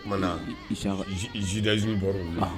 Oumana na jidaz bɔra la